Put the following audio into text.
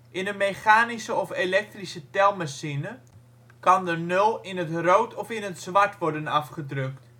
In een mechanische of elektrische telmachine, kan de nul in het rood of in het zwart worden afgedrukt